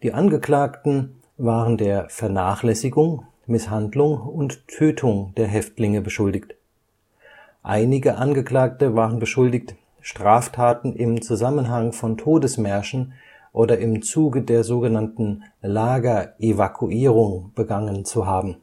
Angeklagten waren der Vernachlässigung, Misshandlung und Tötung der Häftlinge beschuldigt. Einige Angeklagte waren beschuldigt, Straftaten im Zusammenhang von Todesmärschen oder im Zuge der „ Lagerevakuierung “begangen zu haben